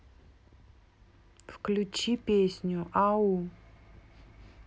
включи песню ау